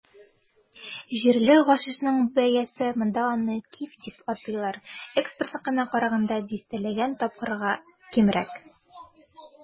Җирле гашишның бәясе - монда аны "киф" дип атыйлар - экспортныкына караганда дистәләгән тапкырга кимрәк.